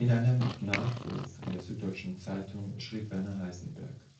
einem Nachruf in der ' Süddeutschen Zeitung ' schrieb Werner Heisenberg